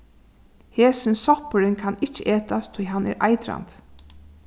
hesin soppurin kann ikki etast tí hann er eitrandi